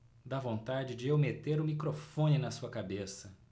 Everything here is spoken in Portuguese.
dá vontade de eu meter o microfone na sua cabeça